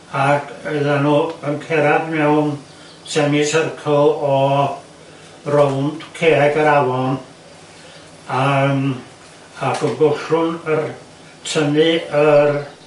Ag oedda n'w yn cerad mewn semi-circle o rownd cerrig yr afon a yym ac yn gollwng y... tynnu yr